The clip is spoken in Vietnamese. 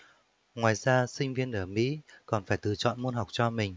ngoài ra sinh viên ở mỹ còn phải tự chọn môn học cho mình